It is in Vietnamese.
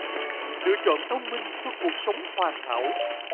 lựa chọn thông minh cho cuộc sống hoàn hảo